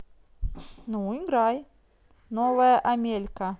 новая амелька